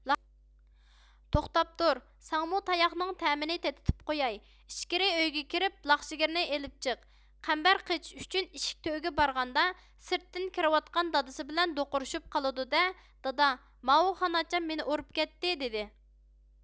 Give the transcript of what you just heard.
توختاپ تۇر ساڭىمۇ تاياقنىڭ تەمىنى تېتىتىپ قوياي ئىچكىرى ئۆيگە كىرىپ لاخشىگىرنى ئېلىپ چىق قەمبەر قېچىش ئۈچۈن ئىشىك تۈۋىگە بارغاندا سىرتتىن كىرىۋاتقان دادىسى بىلەن دوقۇرۇشۇپ قالىدۇ دە دادا ماۋۇ خاناچام مېنى ئۇرۇپ كەتتى دېدى